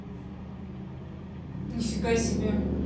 нифига себе